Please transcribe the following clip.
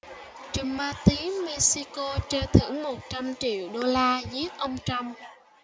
trùm ma túy mexico treo thưởng một trăm triệu đô la giết ông trump